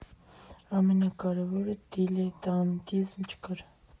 Ամենակարևորը՝ դիլետանտիզմ չկար։